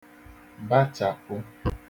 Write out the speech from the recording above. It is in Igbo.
bachàpụ